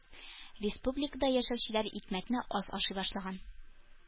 Республикада яшәүчеләр икмәкне аз ашый башлаган